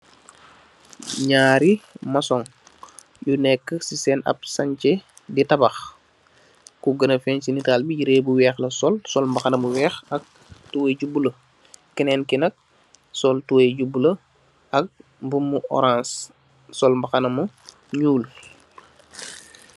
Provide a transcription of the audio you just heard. Ñaari mason yu nèkka si sèèn ap sanci di tabax. Ku gana feeñ ci nital bi yirèh bu wèèx la sol, sol mbàxna bu wèèx ak tubay ju bula. Kenen ki nat sol tubay ju bula ak mbubu mu orans sol mbàxna mu ñuul.